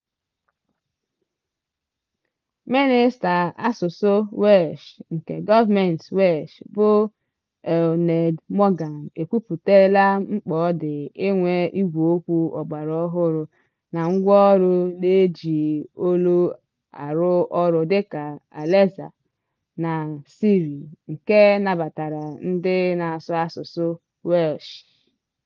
Mịnịsta asụsụ Welsh nke gọọmentị Welsh bụ Eluned Morgan ekwupụtala mkpa ọ dị inwe Ígwèokwu ọgbaraọhụrụ na ngwáọrụ na-eji olu arụ ọrụ dịka Alexa na Siri nke nabatara ndị na-asụ asụsụ Welsh.